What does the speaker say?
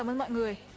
cảm ơn mọi người